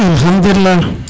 Alkhadoulila